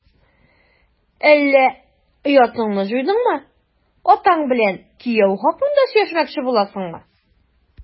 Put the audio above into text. Әллә оятыңны җуйдыңмы, атаң белән кияү хакында сөйләшмәкче буласыңмы? ..